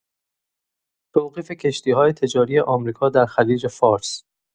توقیف کشتی‌های تجاری آمریکا در خلیج‌فارس!